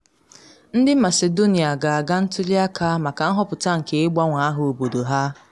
Ndị Macedonia ga-aga ntuli aka maka nhọpụta nke ịgbanwe aha obodo ha